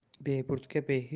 beburdga behisht yo'q